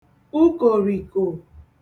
ukòrìkò